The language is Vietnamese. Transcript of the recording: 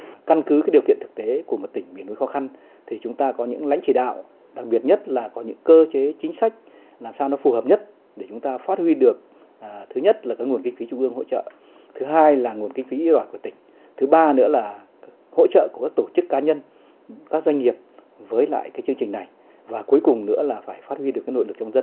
căn cứ cái điều kiện thực tế của một tỉnh miền núi khó khăn thì chúng ta có những lãnh chỉ đạo đặc biệt nhất là còn cơ chế chính sách làm sao nó phù hợp nhất để chúng ta phát huy được thứ nhất là với nguồn kinh phí trung ương hỗ trợ thứ hai là nguồn kinh phí ít ỏi của tỉnh thứ ba nữa là hỗ trợ của các tổ chức cá nhân các doanh nghiệp với lại cái chương trình này và cuối cùng nữa là phải phát huy được cái nội lực trong dân